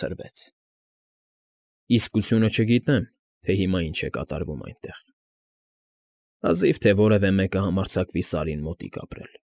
Ցրվեց։ Իսկությունը չգիտեմ, թե հիմա ինչ է կատարվում այնտեղ, հազիվ թե որևէ մեկը համարձակվի Սարին մոտիկ ապրել։